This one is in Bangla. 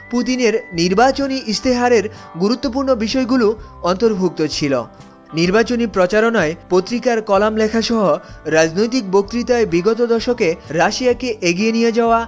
পুতিনের নির্বাচনী ইশতেহারের গুরুত্বপূর্ণ বিষয়গুলো অন্তর্ভুক্ত ছিল নির্বাচনী প্রচারণায় পত্রিকার কলাম লেখা সহ রাজনৈতিক বক্তৃতা বিগত দশকের রাশিয়া কে এগিয়ে নিয়ে যাওয়া